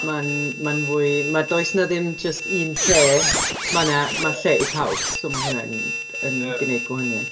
Ma'n ma'n fwy... ma'... does 'na ddim jyst un lle ma 'na... ma' lle i bawb. So ma' hwnna yn yn gwneud gwahaniaeth.